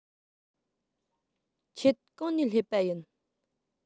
ཁྱེད གང ནས སླེབས པ ཡིན